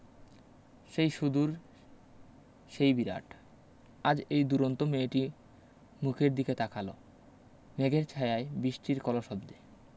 সেই সুদূর সেই বিরাট আজ এই দুরন্ত মেয়েটি মুখের দিকে তাকাল মেঘের ছায়ায় বিষ্টির কলশব্দে